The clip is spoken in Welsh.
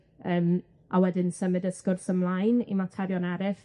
yym a wedyn symud y sgwrs ymlaen i materion eryll.